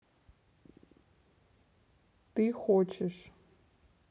ты хочешь